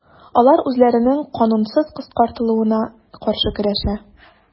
Алар үзләренең канунсыз кыскартылуына каршы көрәшә.